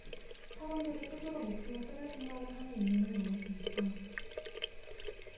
사람들이 스스로 목숨을 끊을 생각을 하는 이유는 무엇입니까